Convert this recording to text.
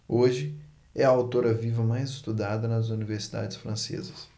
hoje é a autora viva mais estudada nas universidades francesas